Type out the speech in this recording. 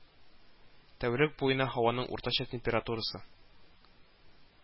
Тәүлек буена һаваның уртача температурасы